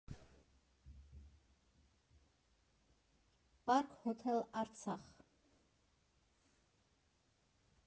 Պարկ հոթել Արցախ։